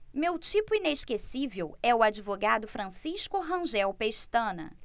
meu tipo inesquecível é o advogado francisco rangel pestana